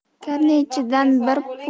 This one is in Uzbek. karnaychidan bir puf